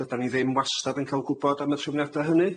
Dydan ni ddim wastad yn ca'l gwbod am y trefniada hynny.